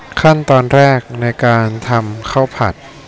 ขั้นตอนแรกในการทำข้าวผัด